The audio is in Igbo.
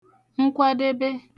nkwadebe